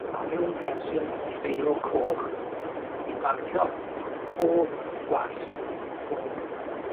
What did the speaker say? ###a mewn pensil neu beiro coch wedi marcio pob gwall, pob